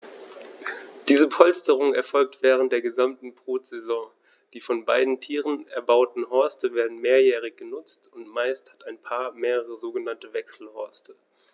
Diese Polsterung erfolgt während der gesamten Brutsaison. Die von beiden Tieren erbauten Horste werden mehrjährig benutzt, und meist hat ein Paar mehrere sogenannte Wechselhorste.